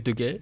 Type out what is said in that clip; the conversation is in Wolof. merci